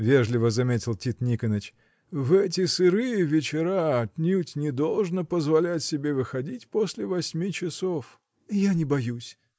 — вежливо заметил Тит Никоныч, — в эти сырые вечера отнюдь не должно позволять себе выходить после восьми часов. — Я не боюсь.